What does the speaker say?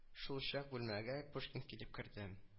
Шулчак бүлмәгә пушкин килеп керде